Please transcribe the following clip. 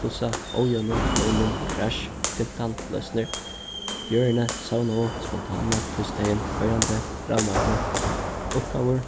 plussa ójøvnu nøvnum krassj fimtan loysnir jørðini savnaðu spontana týsdagin koyrandi ravmagni uppgávur